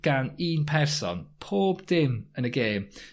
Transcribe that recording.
gan un person pob dim yn y gêm.